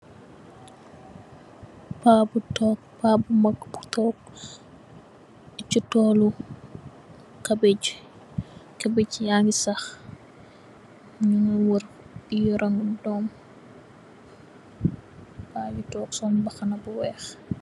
Paa bu tokk paa bu mak bu tok ci tooli cabbage, cabbage yangi sax mungi worr yorumi doom, pa bi tok sol mbaxana bu weex.